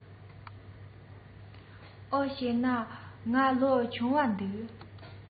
འོ བྱས ན ང ལོ ཆུང བ འདུག